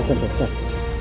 sản phẩm sạch